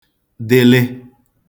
dịlị